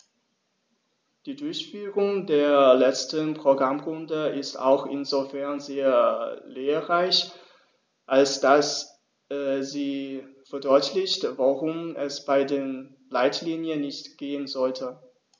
Die Durchführung der letzten Programmrunde ist auch insofern sehr lehrreich, als dass sie verdeutlicht, worum es bei den Leitlinien nicht gehen sollte.